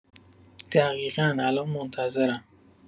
دقیقا، الان منتظرم